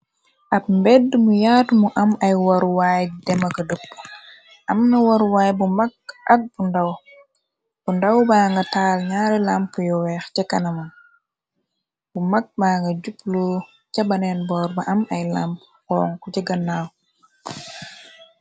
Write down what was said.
Ab mbedd mu yaatu mu am ay waruwaay dema ka dëpp amna waruwaay bu mag ak ndbu ndaw ba nga taal ñaari lamp yu weex ca kanaman bu mag ba nga jup lu cabaneen boor ba am ay lamp xoonk jëgannaaw.